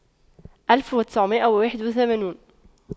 ألف وتسعمئة وواحد وثمانون